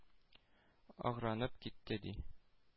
Агарынып китте, ди.